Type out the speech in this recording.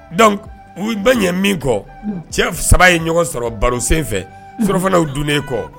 donc u bɛ ɲinɛ min kɔ cɛ saba ye ɲɔgɔn sɔrɔ baro sen fɛ surɔfanaw dunnen kɔ